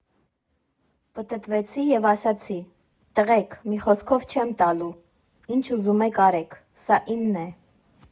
Պտտվեցի ու ասացի՝ տղեք, մի խոսքով չեմ տալու, ինչ ուզում եք արեք, սա իմն է։